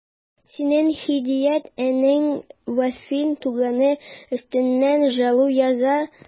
Синең Һидият энең Вафин туганы өстеннән жалу яза...